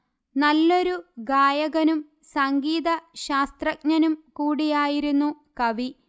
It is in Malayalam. നല്ലൊരു ഗായകനും സംഗീതശാസ്ത്രജ്ഞനും കൂടിയായിരുന്നു കവി